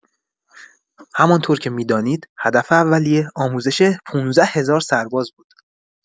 همانطور که می‌دانید، هدف اولیه، آموزش ۱۵۰۰۰ سرباز بود.